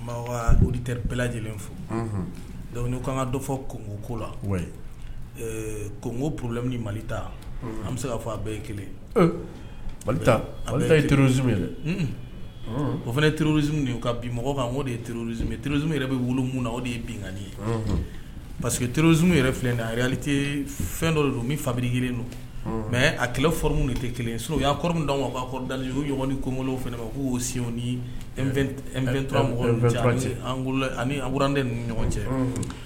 Bɛɛ lajɛlen' ko an ka dɔ fɔ kogo ko la kogo poro mali ta an bɛ se ka fɔ a bɛɛ ye kelen yez yɛrɛ o fana teriuruz ka bi mɔgɔ kan o de yeurue triuru zun yɛrɛ bɛ wu wolo na o de ye binani ye parce que truruz zun yɛrɛ filɛ na a fɛn dɔ don fabiri g don mɛ a kɛlɛ f minnu de tɛ kelen s' kɔrɔ min'a kɔrɔda ɲɔgɔn ni kokolon fana ma k'' sen ni cɛte ni ɲɔgɔn cɛ